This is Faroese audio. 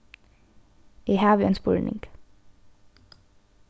eg havi ein spurning